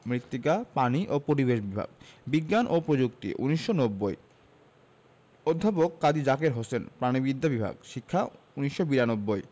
মৃত্তিকা পানি ও পরিবেশ বিভাগ বিজ্ঞান ও প্রযুক্তি ১৯৯০ অধ্যাপক কাজী জাকের হোসেন প্রাণিবিদ্যা বিভাগ শিক্ষা ১৯৯২